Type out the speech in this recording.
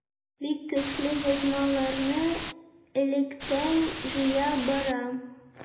Бик көчле язмаларны электән җыя барам.